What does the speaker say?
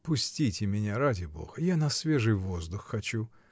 — Пустите меня, ради Бога: я на свежий воздух хочу!.